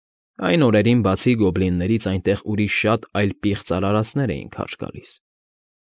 Այն օրերին բացի գոբլիններից այնտեղ ուրիշ շատ այլ պիղծ արարածներ էին քարշ գալիս։